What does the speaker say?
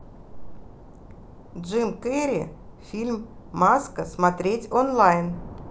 джим керри фильм маска смотреть онлайн